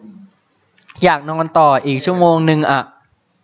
อยากนอนต่ออีกชั่วโมงนึงอะ